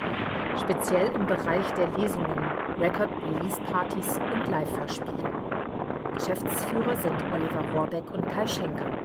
speziell im Bereich der Lesungen, Record-Release-Partys und Livehörspiele (Geschäftsführer: Oliver Rohrbeck und Kai Schenker